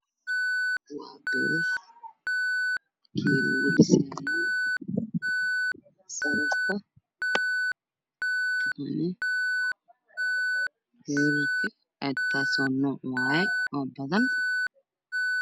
Waxaa ii muuqda biro isdul sarsaarankooda yahay madow aada ayay u dhaar dheer yihiin